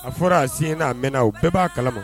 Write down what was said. A fɔra a signé na a mɛnna u bɛɛ b'a kalama.